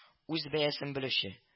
Үз бәясен белүче